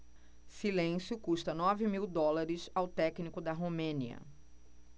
silêncio custa nove mil dólares ao técnico da romênia